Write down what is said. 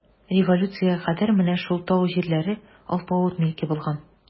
Революциягә кадәр менә шул тау җирләре алпавыт милке булган.